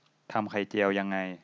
ทำไข่เจียวยังไง